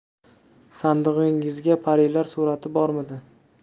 sandig'ingizda parilar surati bormidi